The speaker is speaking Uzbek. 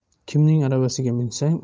kimning aravasiga minsang